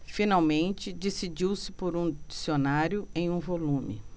finalmente decidiu-se por um dicionário em um volume